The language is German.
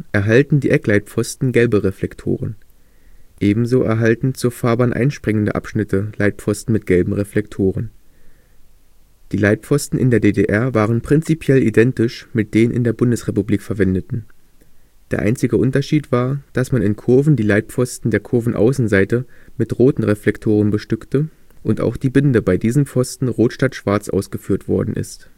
erhalten die Eckleitpfosten gelbe Reflektoren. Ebenso erhalten zur Fahrbahn einspringende Abschnitte Leitpfosten mit gelben Reflektoren. Die Leitpfosten in der DDR waren prinzipiell identisch mit den in der Bundesrepublik verwendeten. Der einzige Unterschied war, dass man in Kurven die Leitpfosten der Kurvenaußenseite mit roten Reflektoren bestückte und auch die Binde bei diesen Pfosten rot statt schwarz ausgeführt worden ist